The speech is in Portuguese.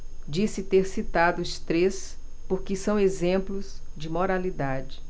disse ter citado os três porque são exemplos de moralidade